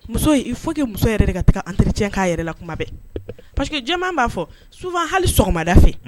Muso fo' muso yɛrɛ ka taa an teric k' yɛrɛ la kuma bɛɛ pa que jɛ b'a fɔ su hali sɔgɔmada fɛ